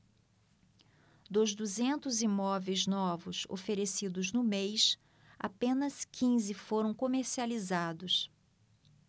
dos duzentos imóveis novos oferecidos no mês apenas quinze foram comercializados